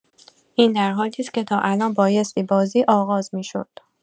این در حالی است که تا الان بایستی بازی آغاز می‌شد